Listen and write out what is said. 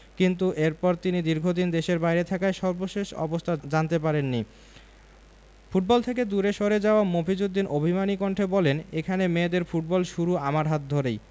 কিন্তু এরপর তিনি দীর্ঘদিন দেশের বাইরে থাকায় সর্বশেষ অবস্থা জানতে পারেননি ফুটবল থেকে দূরে সরে যাওয়া মফিজ উদ্দিন অভিমানী কণ্ঠে বললেন এখানে মেয়েদের ফুটবল শুরু আমার হাত ধরেই